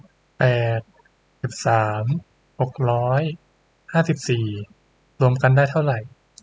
แปดสิบสามหกร้อยห้าสิบสี่รวมกันได้เท่าไหร่